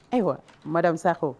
Ayiwa madasakaw